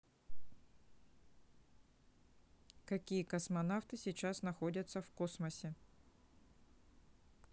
какие космонавты сейчас находятся в космосе